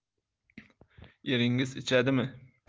eringiz ichadimi